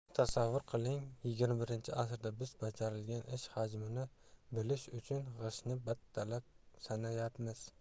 tasavvur qiling xxi asrda biz bajarilgan ish hajmini bilish uchun g'ishtni bittalab sanayapmiz